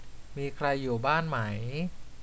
มีใครอยู่บ้านไหม